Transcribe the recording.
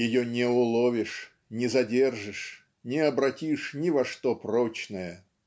Ее не уловишь, не задержишь, не обратишь ни во что прочное.